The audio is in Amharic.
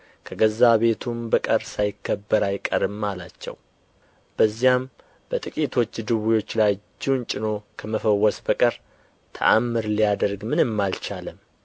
ከገዛ ቤቱም በቀር ሳይከበር አይቀርም አላቸው በዚያም በጥቂቶች ድውዮች ላይ እጁን ጭኖ ከመፈወስ በቀር ተአምር ሊያደርግ ምንም አልቻለም